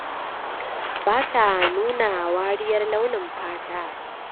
Bata nuna wariyar launin fata.